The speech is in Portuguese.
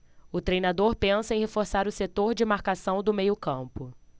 o treinador pensa em reforçar o setor de marcação do meio campo